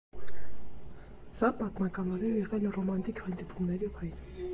Սա պատմականորեն եղել է ռոմանտիկ հանդիպումների վայր։